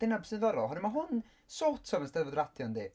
Dyna beth sy'n diddorol. Oherwydd mae hwn sort of yn 'Steddfod radio yndi?